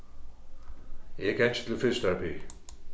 eg gangi til fysioterapi